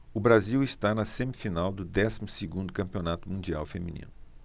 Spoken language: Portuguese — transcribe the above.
o brasil está na semifinal do décimo segundo campeonato mundial feminino